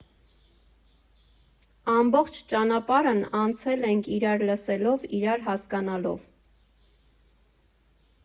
Ամբողջ ճանապարհն անցել ենք՝ իրար լսելով, իրար հասկանալով։